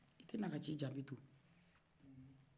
o te na ka ci jaabi to